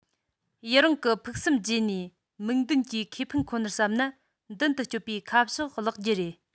ཡུན རིང གི ཕུགས བསམ བརྗེད ནས མིག མདུན གྱི ཁེ ཕན ཁོ ནར བསམས ན མདུན དུ བསྐྱོད པའི ཁ ཕྱོགས བརླག རྒྱུ རེད